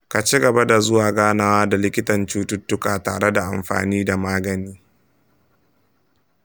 ka cigaba da zuwa ganawa da likitan cuttutuka tare da amfani da magani.